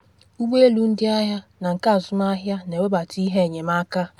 Ụgbọ elu ndị agha na nke azụmahịa na ewebata ihe enyemaka.